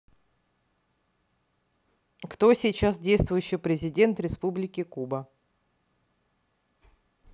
кто сейчас действующий президент республики куба